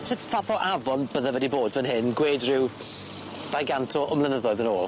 Sut fath o afon bydde fe 'di bod fan hyn gwed ryw ddau gant o o mlynyddoedd yn ôl?